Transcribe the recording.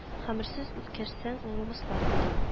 Хәмерсез үткәрсәң аңламаслар - диде